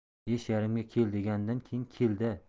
besh yarimga kel degandan keyin kel da